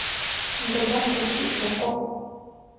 ну тогда включи окко